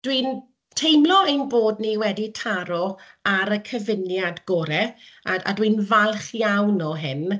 dwi'n teimlo ein bod ni wedi taro ar y cyfuniad gorau, a a dwi'n falch iawn o hyn.